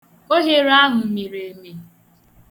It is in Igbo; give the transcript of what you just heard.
Oghere ahụ miri emi.